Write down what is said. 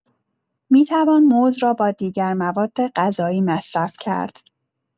می‌توان موز را با دیگر موادغذایی مصرف کرد.